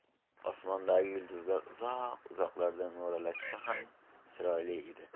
osmondagi yulduzlar uzoq uzoqlardan mo'ralashsa ham chiroyli edi